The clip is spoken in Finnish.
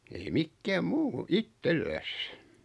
ei mikään muu itsellään